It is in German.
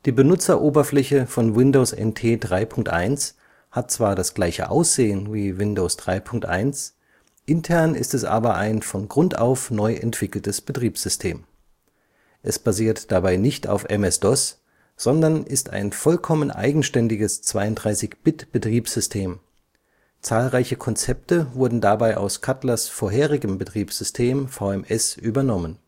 Benutzeroberfläche von Windows NT 3.1 hat zwar das gleiche Aussehen wie Windows 3.1, intern ist es aber ein von Grund auf neu entwickeltes Betriebssystem. Es basiert dabei nicht auf MS-DOS, sondern ist ein vollkommen eigenständiges 32-Bit-Betriebssystem; zahlreiche Konzepte wurden dabei aus Cutlers vorherigem Betriebssystem VMS übernommen